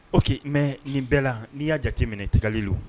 Ok . Mais nin bɛɛ la ni ya jateminɛ tigalilu.